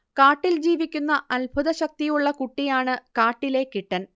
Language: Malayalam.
കാട്ടിൽ ജീവിക്കുന്ന അത്ഭുത ശക്തിയുള്ള കുട്ടിയാണ് കാട്ടിലെ കിട്ടൻ